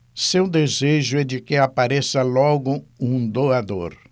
seu desejo é de que apareça logo um doador